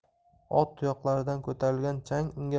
ot tuyoqlaridan ko'tarilgan chang unga